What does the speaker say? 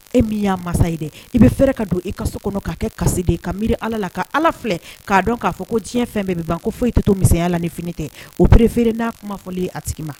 E min y' mansa ye dɛ i bɛ fɛɛrɛ ka don i ka so kɔnɔ'a kɛ kasiden ka miiri ala la ka ala filɛ k'a dɔn k'a fɔ ko diɲɛ fɛn bɛɛ bɛ ban ko fo foyi i tɛ to mansaya la ni fini tɛ o pereefeere n'a kuma fɔlen a tigi ma